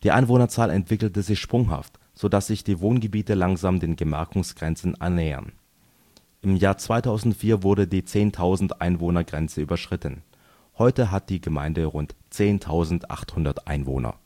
Einwohnerzahl entwickelte sich sprunghaft, so dass sich die Wohngebiete langsam den Gemarkungsgrenzen annähern. Im Jahr 2004 wurde die 10.000-Einwohner-Grenze überschritten. Heute hat die Gemeinde rund 10.800 Einwohner